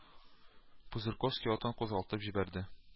Пузырьковский атын кузгатып җибәрде